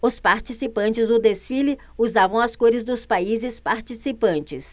os participantes do desfile usavam as cores dos países participantes